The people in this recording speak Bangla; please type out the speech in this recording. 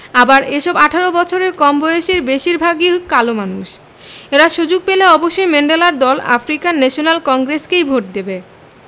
আবার এসব ১৮ বছরের কম বয়সীর বেশির ভাগই কালো মানুষ এরা সুযোগ পেলে অবশ্যই ম্যান্ডেলার দল আফ্রিকান ন্যাশনাল কংগ্রেসকেই ভোট দেবে